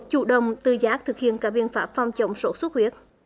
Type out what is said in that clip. chủ động tự giác thực hiện các biện pháp phòng chống sốt xuất huyết